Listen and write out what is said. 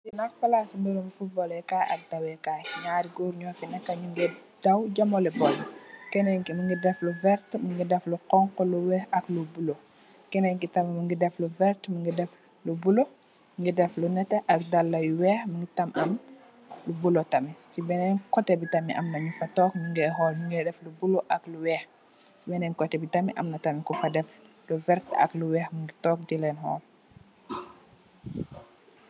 Li nak palasi barabi futbal lé kay bi ak dawee kay, ñaari gór ñu fi nekka ñgi ngee daw di jamaleh bal bi. Kenen ki mugii def lu werta, mugii def lu xonxu, lu wèèx ak lu bula. Kenen ki tamit mugii def lu werta, mugii def lu bula, mugii def lu netteh ak dalla yu wèèx mu tam am lu bula tamit. Si benen koteh bi tamit am na ku fa tóóg ñu ngi xool, ñi ngi def lu bula ak lu wèèx. Ci benen koteh tamid am na ku def lu werta ak lu wèèx mugii tóóg di lèèn xool.